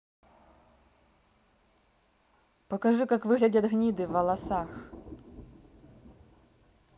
покажи как выглядят гниды в волосах